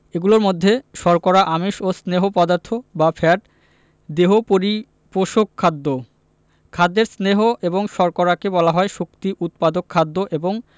এগুলোর মধ্যে শর্করা আমিষ ও স্নেহ পদার্থ বা ফ্যাট দেহ পরিপোষক খাদ্য খাদ্যের স্নেহ এবং শর্করাকে বলা হয় শক্তি উৎপাদক খাদ্য এবং